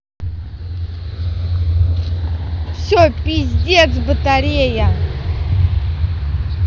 все пиздец батарея